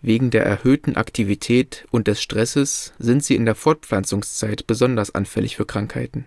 Wegen der erhöhten Aktivität und des Stresses sind sie in der Fortpflanzungszeit besonders anfällig für Krankheiten